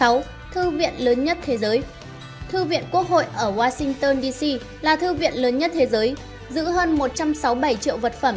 thư viện lớn nhất thế giới thư viện quốc hội ở washington d c là thư viện lớn nhất thế giới giữ hơn triệu vật phẩm